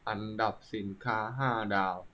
อันดับสินค้าห้าดาว